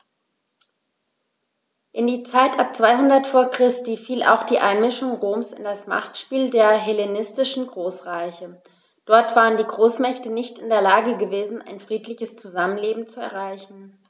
In die Zeit ab 200 v. Chr. fiel auch die Einmischung Roms in das Machtspiel der hellenistischen Großreiche: Dort waren die Großmächte nicht in der Lage gewesen, ein friedliches Zusammenleben zu erreichen.